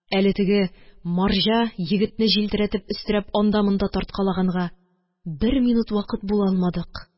Әле теге марҗа егетне җилтерәтеп өстерәп анда-монда тарткалаганга, бер минут вакыт була алмадык,